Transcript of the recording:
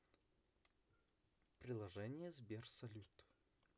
в приложении сбер салют